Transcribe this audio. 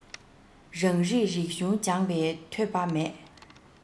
རང རིགས རིག གཞུང སྦྱངས པའི ཐོས པ མེད